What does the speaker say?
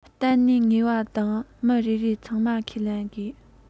གཏད གནས ངེས པ དང མི རེ རེ ཚང མ ཁས ལེན དགོས